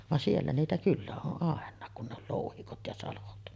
vaan siellä niitä kyllä on ainakin kun ne oli louhikot ja salot